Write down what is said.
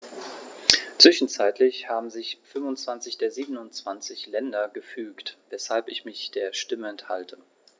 Zwischenzeitlich haben sich 25 der 27 Länder gefügt, weshalb ich mich der Stimme enthalte.